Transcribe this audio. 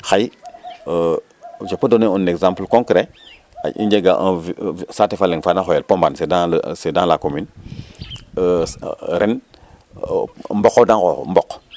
xay je peux donner un exemple concret i njenga saate fa leng fa na xoyel Paman c' est dans la commune ren e mboqo de ŋoxu mboq